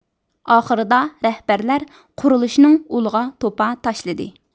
ئاخىرىدا رەھبەرلەر قۇرۇلۇشنىڭ ئۇلىغا توپا تاشلىدى